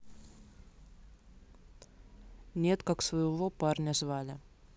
нет как своего парня звали